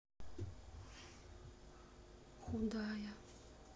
худая